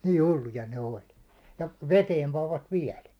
niin hulluja ne oli ja veteen panivat vielä